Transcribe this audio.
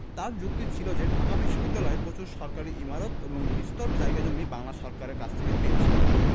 তাঁর যুক্তি ছিল যে ঢাকা বিশ্ববিদ্যালয় প্রচুর সরকারি ইমারত ও বিস্তর জায়গা জমি বাংলা সরকারের কাছ থেকে পেয়েছে